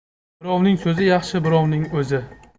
birovning so'zi yaxshi birovning o'zi